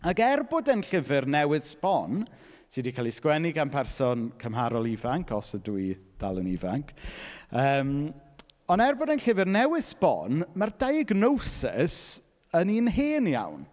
Ac er bod e'n llyfr newydd sbon sy 'di cael ei sgwennu gan person cymharol ifanc - os ydw i dal yn ifanc. Yym ond er bod e'n llyfr newydd sbon, ma'r diagnosis yn un hen iawn.